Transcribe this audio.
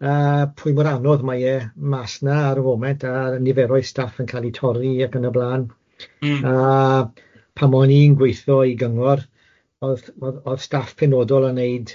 yy pwy mor anodd mae e mas na ar y foment a nifer o'i staff yn cael eu torri ac yn y blan... Mm. ...a pan o'n i'n gweithio i gyngor oedd oedd oedd staff penodol yn wneud